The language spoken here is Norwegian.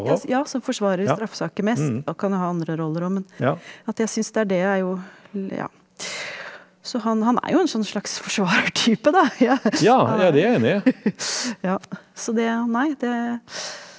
ja ja som forsvarer i straffesaker mest og kan jeg ha andre roller og men at jeg syns det er det jeg jo ja så han han er jo en sånn slags forsvarertype da ja ja så det nei det.